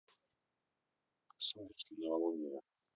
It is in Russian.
сумерки новолуние